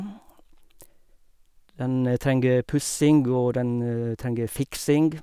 Den trenger pussing, og den trenger fiksing.